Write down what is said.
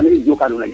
maxey jokanuun a njal